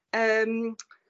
yym